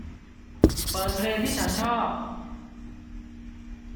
เปิดเพลงที่ฉันชอบ